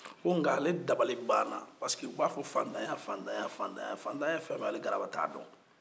ko nga ale dabali banna pasiki o b'a fɔ faantanya faantanya faantanya ye fɛn min ye ale garaba t'a dɔn